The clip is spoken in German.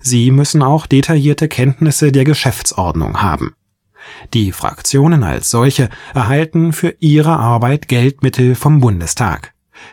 Sie müssen auch detaillierte Kenntnisse der Geschäftsordnung haben. Die Fraktionen als solche erhalten für ihre Arbeit Geldmittel vom Bundestag.